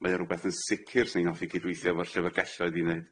mae o rwbeth yn sicir 'swn i'n hoffi gydweithio efo'r llyfrgelloedd i neud.